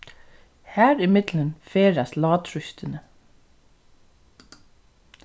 har ímillum ferðast lágtrýstini